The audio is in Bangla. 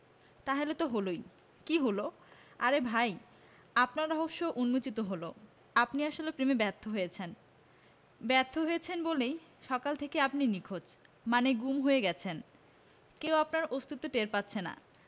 তাহলে তো হলোই কী হলো আরে ভাই আপনার রহস্য উম্মোচিত হলো আপনি আসলে প্রেমে ব্যর্থ হয়েছেন ব্যর্থ হয়েছেন বলেই সকাল থেকে আপনি নিখোঁজ মানে গুম হয়ে গেছেন কেউ আপনার অস্তিত্ব টের পাচ্ছে না